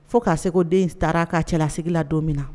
Fo k'a se den taara ka cɛlalasigi la don min na